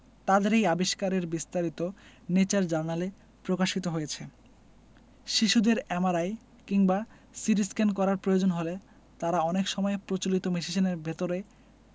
তাদের এই আবিষ্কারের বিস্তারিত ন্যাচার জার্নালে প্রকাশিত হয়েছে শিশুদের এমআরআই কিংবা সিটিস্ক্যান করার প্রয়োজন হলে তারা অনেক সময় প্রচলিত মেশিনের ভেতরে